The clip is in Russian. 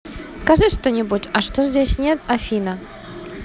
скажи что нибудь а что здесь нет афина